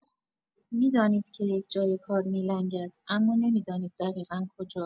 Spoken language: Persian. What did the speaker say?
می‌دانید که یک جای کار می‌لنگد اما نمی‌دانید دقیقا کجا!